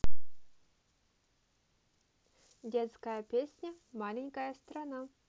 детская песня маленькая страна